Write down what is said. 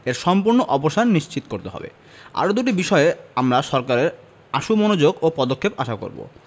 এর সম্পূর্ণ অবসান নিশ্চিত করতে হবে আরও দুটি বিষয়ে আমরা সরকারের আশু মনোযোগ ও পদক্ষেপ আশা করব